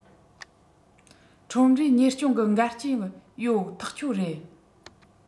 ཁྲོམ རའི གཉེར སྐྱོང གི འགལ རྐྱེན ཡོད ཐག ཆོད རེད